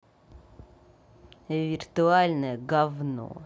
виртуальное гавно